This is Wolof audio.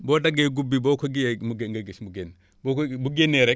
boo daggee gub bi boo ko kii yee mu gé nga gis mu génn boo ko bu génnee rekk